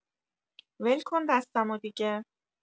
ول‌کن دستمو دیگه